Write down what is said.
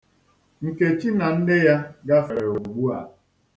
Nkechi na nne ya gafere ugbua.